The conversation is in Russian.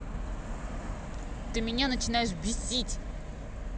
ты меня начинаешь бесить